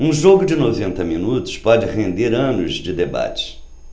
um jogo de noventa minutos pode render anos de debate